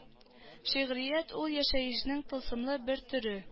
Шигърият ул яшәешнең тылсымлы бер төре